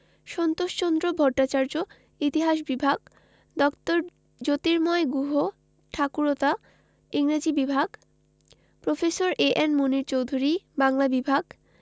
সন্তোষচন্দ্র ভট্টাচার্য ইতিহাস বিভাগ ড. জ্যোতির্ময় গুহঠাকুরতা ইংরেজি বিভাগ প্রফেসর এ.এন মুনীর চৌধুরী বাংলা বিভাগ